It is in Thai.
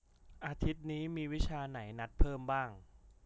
อาทิตย์นี้มีวิชาไหนนัดเพิ่มบ้าง